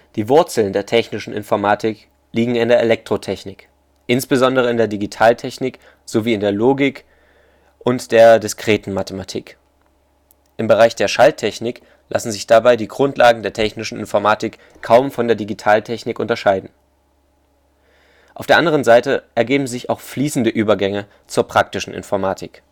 Die Wurzeln der Technischen Informatik liegen in der Elektrotechnik, insbesondere in der Digitaltechnik, sowie in der Logik und der diskreten Mathematik. Im Bereich der Schalttechnik lassen sich dabei die Grundlagen der technischen Informatik kaum von der Digitaltechnik unterscheiden. Auf der anderen Seite ergeben sich auch fließende Übergänge zur praktischen Informatik